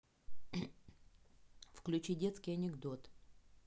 включи детский анекдот